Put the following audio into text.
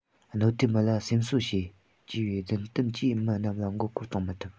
༄༅ གནོད ཐེབས མི ལ སེམས གསོ བྱེད ཅེས པའི རྫུན གཏམ གྱིས མི རྣམས ལ མགོ སྐོར གཏོང མི ཐུབ